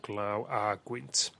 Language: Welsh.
glaw a gwynt